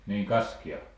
niin kaskia